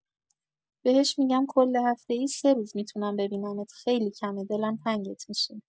بهش می‌گم کلا هفته‌ای سه روز می‌تونم ببینمت خیلی کمه دلم تنگ می‌شه